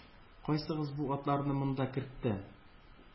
-кайсыгыз бу атларны монда кертте?!-